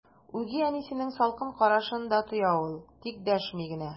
Үги әнисенең салкын карашын да тоя ул, тик дәшми генә.